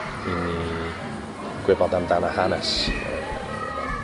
i ni gwybod amdan y hanes.